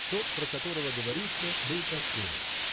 Тот, про которого говорится, был таков